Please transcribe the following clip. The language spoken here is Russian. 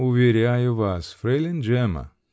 -- Уверяю вас, фрейлейн Джемма.